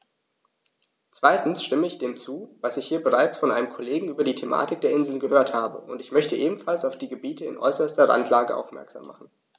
Zweitens stimme ich dem zu, was ich hier bereits von einem Kollegen über die Thematik der Inseln gehört habe, und ich möchte ebenfalls auf die Gebiete in äußerster Randlage aufmerksam machen.